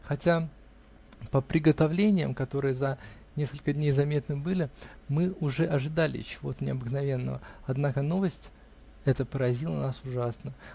Хотя по приготовлениям, которые за несколько дней заметны были, мы уже ожидали чего-то необыкновенного, однако новость эта поразила нас ужасно.